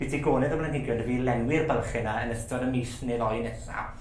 bydd digonedd o blanhigion 'da fi i lenwi'r bylche 'na yn ystod y mis neu ddoi nesa.